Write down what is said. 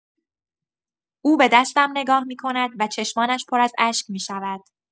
او به دستم نگاه می‌کند و چشمانش پر از اشک می‌شود.